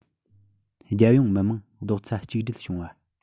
རྒྱལ ཡོངས མི དམངས རྡོག རྩ གཅིག སྒྲིལ བྱུང བ